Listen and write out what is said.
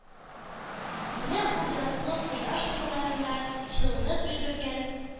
Менә ул язгы кояш нурларында җылынып өлгергән